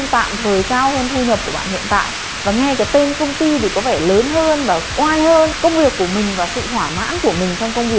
tạm thời cao hơn thu nhập của bạn hiện tại và nghe cái tên công ty thì có vẻ lớn hơn và oai hơn công việc của mình và sự thỏa mãn của mình trong công việc